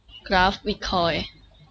กราฟบิทคอยน์